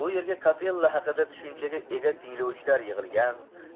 bu yerga kapella haqida tushunchaga ega tinglovchilar yig'ilgan